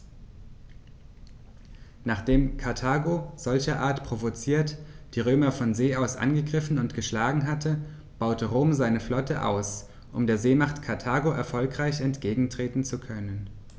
Nachdem Karthago, solcherart provoziert, die Römer von See aus angegriffen und geschlagen hatte, baute Rom seine Flotte aus, um der Seemacht Karthago erfolgreich entgegentreten zu können.